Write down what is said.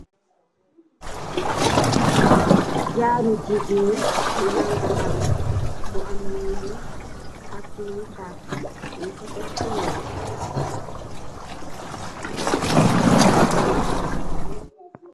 Jaaru jigeen yu langala mogi ameh lu weex nyung ko teck fo weex.